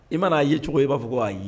I mana ye cogo i b'a fɔ ko wa ayi